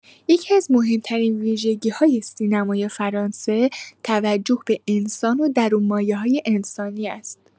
یکی‌از مهم‌ترین ویژگی‌های سینمای فرانسه، توجه به انسان و درون‌مایه‌های انسانی است.